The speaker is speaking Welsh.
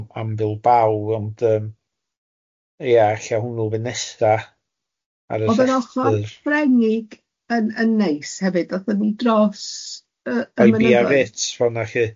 Am Bilbao ond yym ia ella hwnnw fy nesa ar yr rhestr. Oedd e'n ochr Frenig yn yn neis hefyd ddathen ni dros yy ym mynyddoedd. Yy Ibea Ritz fel na lly?